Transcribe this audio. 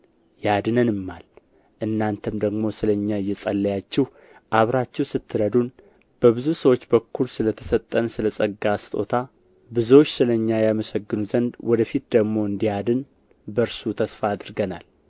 ያድነንማል እናንተም ደግሞ ስለ እኛ እየጸለያችሁ አብራችሁ ስትረዱን በብዙ ሰዎች በኩል ስለ ተሰጠን ስለ ጸጋ ስጦታ ብዙዎች ስለ እኛ ያመሰግኑ ዘንድ ወደ ፊት ደግሞ እንዲያድን በእርሱ ተስፋ አድርገናል